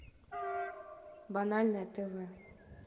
банальное тв